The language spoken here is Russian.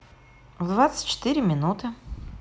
в двадцать четыре минуты